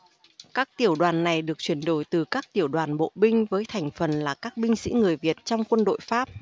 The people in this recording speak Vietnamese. các tiểu đoàn này được chuyển đổi từ các tiểu đoàn bộ binh với thành phần là các binh sĩ người việt trong quân đội pháp